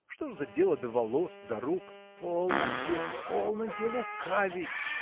Что ж за дело до волос, до рук?. — Полноте, полноте лукавить!